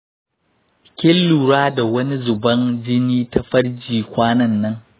kin lura da wani zuban jini ta farji kwanan nan?